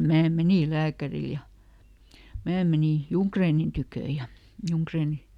minä menin lääkärille ja minä menin Junggrenin tykö ja Junggren